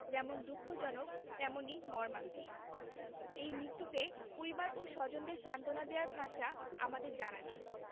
যেমন দুঃখজনক তেমনি মর্মান্তিক এই মৃত্যুতে পরিবার ও স্বজনদের সান্তনা দেয়ার ভাষা আমাদের জানা নেই